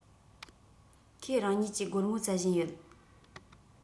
ཁོས རང ཉིད ཀྱི སྒོར མོ བཙལ བཞིན ཡོད